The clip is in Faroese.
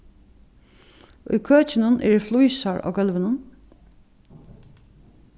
í køkinum eru flísar á gólvinum